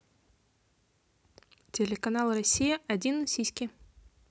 телеканал россия один сиськи